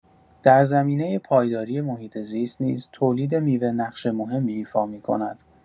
در زمینه پایداری محیط‌زیست نیز تولید میوه نقش مهمی ایفا می‌کند.